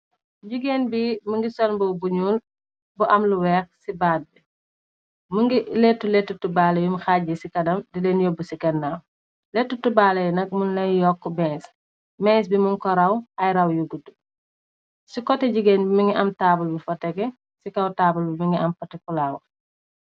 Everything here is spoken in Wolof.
Jigéen bi mu ngi sol mbub bu ñuul bu am lu weeh ci baat bi. Mu ngi lettu letu tubbaale yum haaji ci kadam di leen yóbb bu ci kennaw. Lettu tubaale yi nak mung leen yokk mees, mees bi mung koraw ay raw yu guddu. Ci kote jigéen bi mu ngi am taabl bu fatege ci kaw taabl bi mi ngi am poti flower.